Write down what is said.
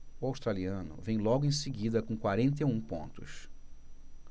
o australiano vem logo em seguida com quarenta e um pontos